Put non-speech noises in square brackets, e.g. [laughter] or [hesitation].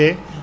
[hesitation] [hesitation]